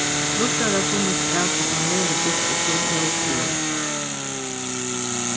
lurtarar funnust at at panelið brúkti so ljót orð